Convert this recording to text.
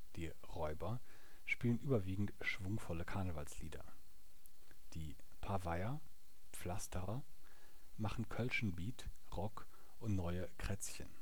Die Räuber spielen überwiegend schwungvolle Karnevalslieder Die Paveier (Pflasterer) machen kölschen Beat, Rock und neue Krätzjen